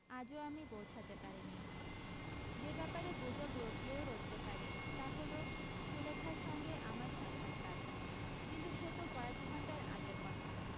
আজও আমি পৌঁছাতে পারিনি যে ব্যাপারে গুজব রটলেও রটতে পারে তা হলো সুলেখার সঙ্গে আমার সাক্ষাতকার কিন্তু সে তো কয়েক ঘন্টার আগের কথা